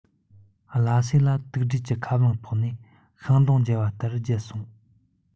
ལྷ སྲས ལ དུག སྦྲུལ གྱི ཁ རླངས ཕོག ནས ཤིང སྡོང འགྱེལ བ ལྟར བརྒྱལ སོང